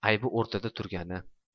aybi o'rtada turgani